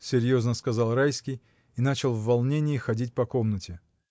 — серьезно сказал Райский и начал в волнении ходить по комнате.